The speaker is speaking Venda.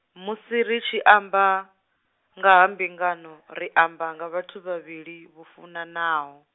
musi ri tshi amba, nga ha mbingano, ri amba nga vhathu vhavhili, vho funanaho.